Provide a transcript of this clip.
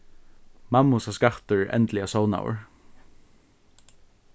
mammusa skattur er endiliga sovnaður